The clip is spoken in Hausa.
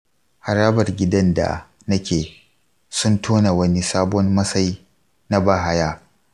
harabar gidan da nake sun tona wani sabon masai na bahaya.